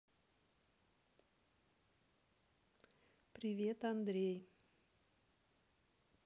привет андрей